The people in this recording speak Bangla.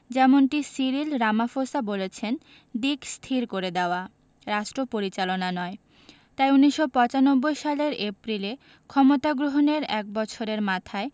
যেমনটি সিরিল রামাফোসা বলেছেন দিক স্থির করে দেওয়া রাষ্ট্রপরিচালনা নয় তাই ১৯৯৫ সালের এপ্রিলে ক্ষমতা গ্রহণের এক বছরের মাথায়